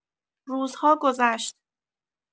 روزها گذشت.